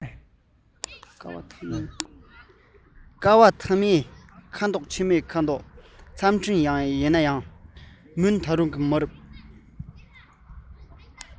བསྐལ བ མཐའ མའི ཁ དོག འཆི བའི ཁ དོག མཚམས སྤྲིན ཡལ ན ཡང མུན ད དུང མ རུབ